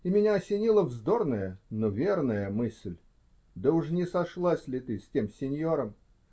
-- и меня осенила вздорная, но верная мысль: -- Да уж не сошлась ли ты с тем синьором?